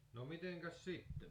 no mitenkäs sitten